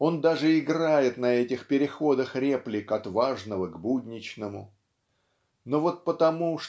он даже играет на этих переходах реплик от важного к будничному но вот потому